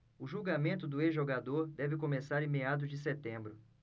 o julgamento do ex-jogador deve começar em meados de setembro